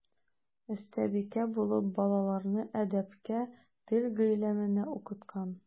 Остабикә булып балаларны әдәпкә, тел гыйлеменә укыткан.